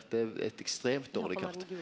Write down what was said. det er eit ekstremt dårleg kart.